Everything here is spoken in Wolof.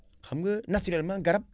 xam nga naturellement garab